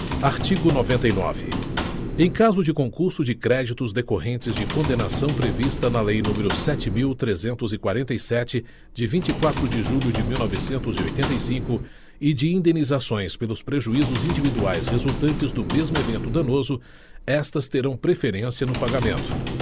artigo noventa e nove em caso de concurso de créditos decorrentes de condenação prevista na lei número sete mil trezentos e quarenta e sete de vinte e quatro de julho de mil novecentos e oitenta e cinco e de indenizações pelos prejuízos individuais resultantes do mesmo evento danoso estas terão preferência no pagamento